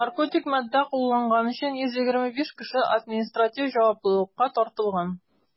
Наркотик матдә кулланган өчен 125 кеше административ җаваплылыкка тартылган.